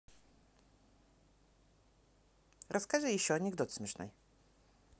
расскажи еще анекдот смешной